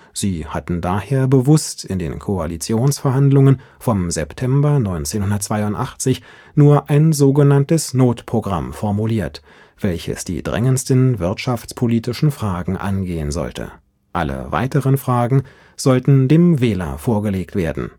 Sie hatten daher bewusst in den Koalitionsverhandlungen vom September 1982 nur ein sogenanntes „ Notprogramm “formuliert, welches die drängendsten wirtschaftspolitischen Fragen angehen sollte. Alle weiteren Fragen sollten dem Wähler vorgelegt werden